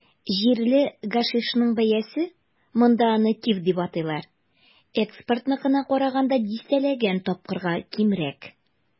Җирле гашишның бәясе - монда аны "киф" дип атыйлар - экспортныкына караганда дистәләгән тапкырга кимрәк.